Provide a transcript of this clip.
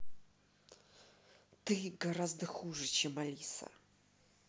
ты гораздо хуже чем алиса